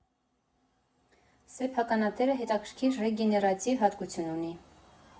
Ստեփանակերտը հետաքրքիր ռեգեներատիվ հատկություն ունի։